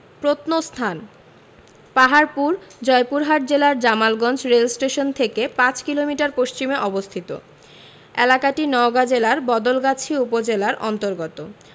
প্রত্নস্থানঃ পাহাড়পুর জয়পুরহাট জেলার জামালগঞ্জ রেলস্টেশন থেকে ৫ কিলোমিটার পশ্চিমে অবস্থিত এলাকাটি নওগাঁ জেলার বদলগাছি উপজেলার অন্তর্গত